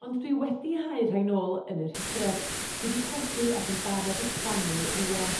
Ond dwi wedi hau rhai nôl yn yr Hydref sy 'di cledu ac yn barod i plannu rŵan.